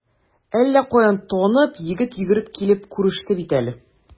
Әллә каян танып, егет йөгереп килеп күреште бит әле.